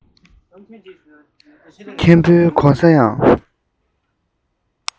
ཐོབ ཟིན པ ཡིན